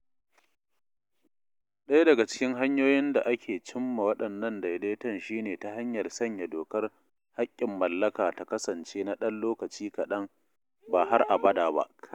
Ɗaya daga cikin hanyoyin da ake cimma wannan daidaiton shi ne ta hanyar sanya dokar haƙƙin mallaka ta kasance na ɗan lokaci kaɗan, ba har abada ba.